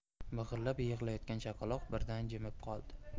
big'illab yig'layotgan chaqaloq birdan jimib qoldi